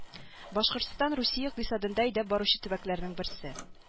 Башкортстан русия икътисадында әйдәп баручы төбәкләрнең берсе